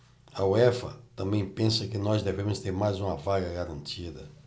a uefa também pensa que nós devemos ter mais uma vaga garantida